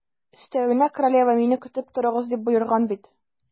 Өстәвенә, королева: «Мине көтеп торыгыз», - дип боерган бит.